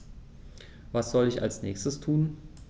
Was soll ich als Nächstes tun?